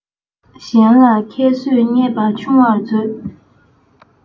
གཞན ལ ཁྱད གསོད བརྙས པ ཆུང བར མཛོད